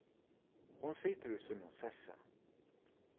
hon situr í sínum sessi